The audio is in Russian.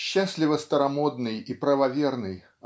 Счастливо-старомодный и правоверный